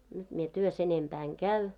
nyt minä työssä enempää en käy